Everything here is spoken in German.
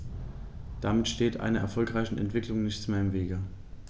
Damit steht einer erfolgreichen Entwicklung nichts mehr im Wege.